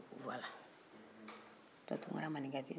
n'otɛ tunkara maninka jeli ne ko bɔn a be se ka kɛ sigi n fɛ ye